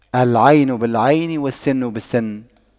العين بالعين والسن بالسن